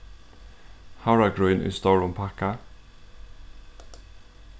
havragrýn í stórum pakka